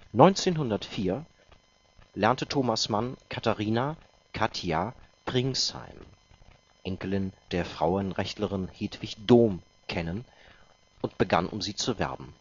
1904 lernte Thomas Mann Katharina „ Katia “Pringsheim (Enkelin der Frauenrechtlerin Hedwig Dohm) kennen und begann um sie zu werben